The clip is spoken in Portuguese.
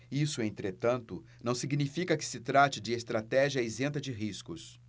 isso entretanto não significa que se trate de estratégia isenta de riscos